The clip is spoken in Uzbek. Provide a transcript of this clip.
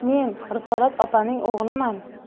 men risolat opaning o'g'liman